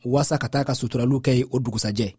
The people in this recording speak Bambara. walasa ka taa a ka suturali kɛ yen o dugusɛjɛ